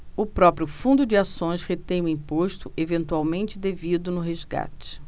o próprio fundo de ações retém o imposto eventualmente devido no resgate